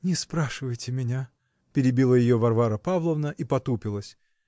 -- Не спрашивайте меня, -- перебила ее Варвара Павловна и потупилась.